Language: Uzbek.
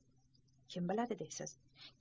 kim biladi deysiz